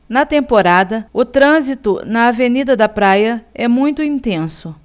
na temporada o trânsito na avenida da praia é muito intenso